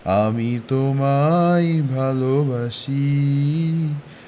আমি তোমায় ভালবাসি